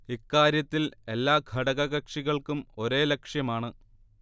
ഇക്കാര്യത്തിൽ എല്ലാ ഘടക കക്ഷികൾക്കും ഒരേ ലക്ഷ്യമാണ്